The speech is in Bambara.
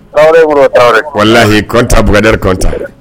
Tarawele Modibo Talawele walahi kɔntan Bukadari kɔntan.